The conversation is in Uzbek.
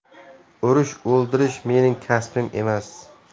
urish o'ldirish mening kasbim emas